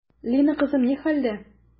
Лина кызым ни хәлдә?